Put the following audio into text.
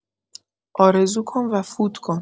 آرزو کن و فوت کن.